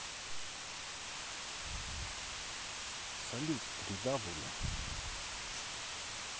салют www